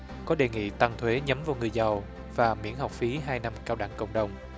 có đề nghị tăng thuế nhắm vào người giàu và miễn học phí hai năm cao đẳng cộng đồng